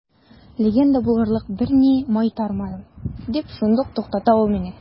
Легенда булырлык берни майтармадым, – дип шундук туктата ул мине.